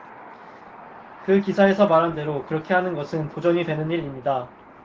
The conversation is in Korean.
그 기사에서 말한 대로 그렇게 하는 것은 도전이 되는 일입니다